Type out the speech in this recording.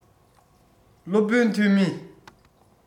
སློབ དཔོན ཐོན མི